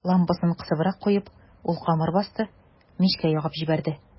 Лампасын кысыбрак куеп, ул камыр басты, мичкә ягып җибәрде.